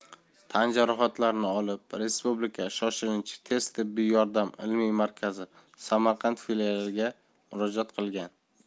tan jarohatlari olib respublika shoshilinch tez tibbiy yordam ilmiy markazi samarqand filialiga murojaat qilgan